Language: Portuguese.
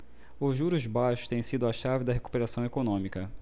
os juros baixos têm sido a chave da recuperação econômica